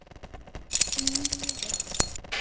- син нинди егет,